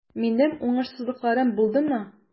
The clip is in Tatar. Минем уңышсызлыкларым булдымы?